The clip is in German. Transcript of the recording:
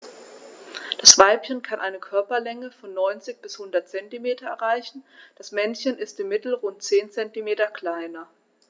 Das Weibchen kann eine Körperlänge von 90-100 cm erreichen; das Männchen ist im Mittel rund 10 cm kleiner.